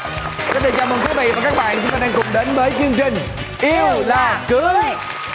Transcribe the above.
xin được chào mừng quý vị và các bạn chúng ta cùng đến với chương trình yêu là cưới